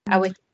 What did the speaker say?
A we-